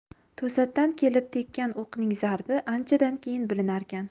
to'satdan kelib tekkan o'qning zarbi anchadan keyin bilinarkan